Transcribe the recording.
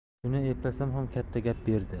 shuni eplasam ham katta gap derdi